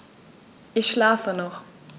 Ich schlafe noch.